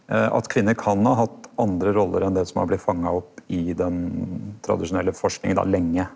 at kvinner kan ha hatt andre roller enn det som har blitt fanga opp i den tradisjonelle forskinga då lenge?